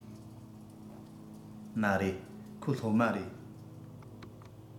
མ རེད ཁོ སློབ མ རེད